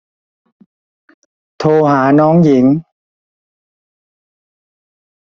โทรหาน้องหญิง